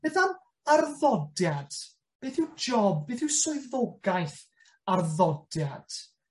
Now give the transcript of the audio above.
Beth am arddodiad? Beth yw job beth yw swyddogaeth arddodiad?